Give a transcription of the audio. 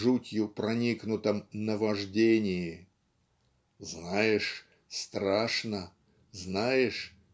жутью проникнутом "Наваждении" ("знаешь страшно знаешь